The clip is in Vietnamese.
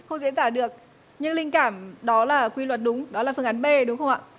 không diễn tả được nhưng linh cảm đó là quy luật đúng đó là phương án bê đúng không ạ